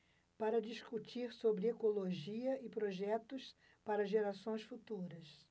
para discutir sobre ecologia e projetos para gerações futuras